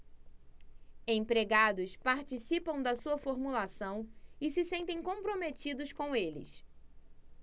empregados participam da sua formulação e se sentem comprometidos com eles